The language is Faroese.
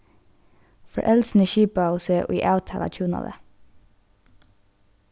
foreldrini skipaðu seg í avtalað hjúnalag